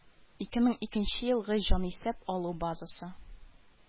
Ике мең икенче елгы җанисәп алу базасы